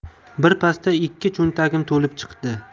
birpasda ikki cho'ntagim to'lib chiqdi